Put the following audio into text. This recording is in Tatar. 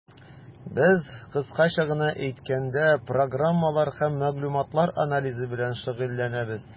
Без, кыскача гына әйткәндә, программалар һәм мәгълүматлар анализы белән шөгыльләнәбез.